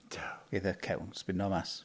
Dew... Geith y cefn sbino mas.